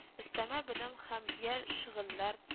Өстәмә белем һәм йэ шөгыльләр